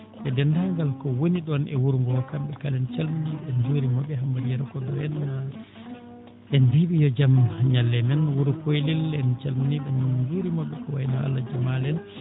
e deenndaangal ko woni ɗoon e wuro ngoo kamɓe kala en calminii ɓe en njuuriima ɓe Hammady Yero Koddou en en mbiyii ɓe yo jam ñalle e men wuro Poylel en calminii ɓe en njuuriima ɓe ko wayi no Alaji Maal en